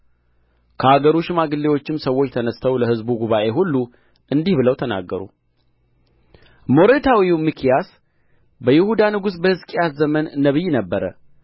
ከአገሩ ሽማግሌዎችም ሰዎች ተነሥተው ለሕዝቡ ጉባኤ ሁሉ እንዲህ ብለው ተናገሩ ሞሬታዊው ሚክያስ በይሁዳ ንጉሥ በሕዝቅያስ ዘመን ነቢይ ነበረ